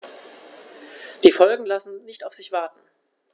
Die Folgen lassen nicht auf sich warten.